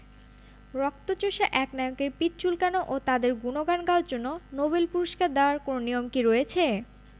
রক্তচোষা একনায়কদের পিঠ চুলকানো ও তাঁদের গুণগান গাওয়ার জন্য নোবেল পুরস্কার দেওয়ার কোনো নিয়ম কি রয়েছে